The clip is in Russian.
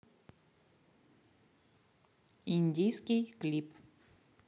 индийский клип